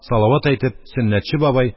Салават әйтеп, сөннәтче бабай,